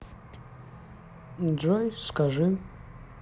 джой скажи